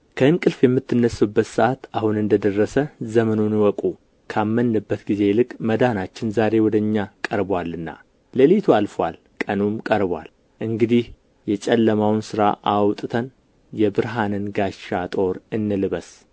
ከእንቅልፍ የምትነሡበት ሰዓት አሁን እንደ ደረሰ ዘመኑን እወቁ ካመንንበት ጊዜ ይልቅ መዳናችን ዛሬ ወደ እኛ ቀርቦአልና ሌሊቱ አልፎአል ቀኑም ቀርቦአል እንግዲህ የጨለማውን ሥራ አውጥተን የብርሃንን ጋሻ ጦር እንልበስ